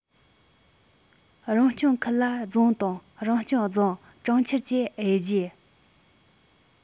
རང སྐྱོང ཁུལ ལ རྫོང དང རང སྐྱོང རྫོང གྲོང ཁྱེར བཅས དབྱེ རྒྱུ